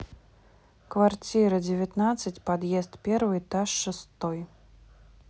квартира девятнадцать подъезд первый этаж шестой